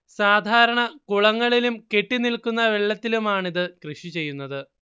സാധാരണ കുളങ്ങളിലും കെട്ടിനിൽക്കുന്ന വെള്ളത്തിലുമാണിത് കൃഷി ചെയ്യുന്നത്